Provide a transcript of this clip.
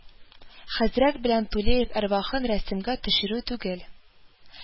Хәзрәт белән тулеев әрвахын рәсемгә төшерү түгел